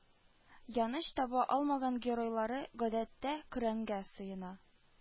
Яныч таба алмаган геройлары, гадәттә, коръәнгә сыена